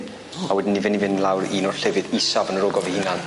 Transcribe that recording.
O. A wedyn ni fyn' i fynd lawr un o'r llefydd isaf yn yr ogof 'i hunan.